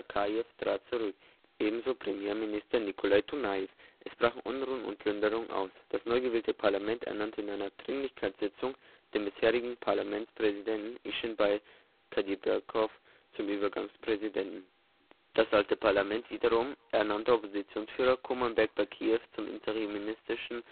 Akajew trat zurück, ebenso Premierminister Nikolai Tanajew. Es brachen Unruhen und Plünderungen aus. Das neugewählte Parlament ernannte in einer Dringlichkeitssitzung den bisherigen Parlamentspräsidenten Ischenbai Kadyrbekow zum Übergangspräsidenten. Das alte Parlament wiederum ernannte Oppositionsführer Kurmanbek Bakijew zum interimistischen